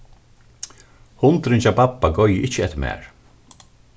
hundurin hjá babba goyði ikki eftir mær